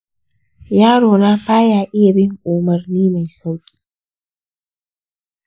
yarona ba ya iya bin umarni mai sauƙi.